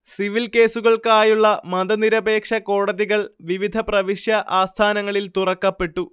civil കേസുകൾക്കായുള്ള മതനിരപേക്ഷകോടതികൾ വിവിധ പ്രവിശ്യ ആസ്ഥാനങ്ങളിൽ തുറക്കപ്പെട്ടു